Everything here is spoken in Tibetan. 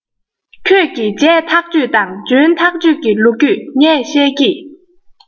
ཁྱོད ཀྱིས བྱས ཐག ཆོད དང འཇོན ཐག ཆོད ཀྱི ལོ རྒྱུས ངས བཤད ཀྱིས